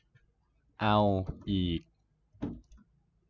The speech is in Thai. เอาอีก